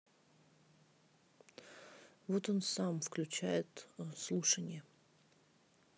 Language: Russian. вот он сам включает слушание